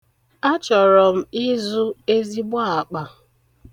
Achọrọ m ịzụ ezigbo akpa.